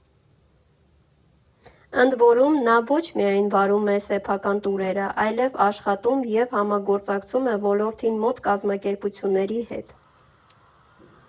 Ընդ որում, նա ոչ միայն վարում է սեփական տուրերը, այլև աշխատում և համագործակցում է ոլորտին մոտ կազմակերպությունների հետ։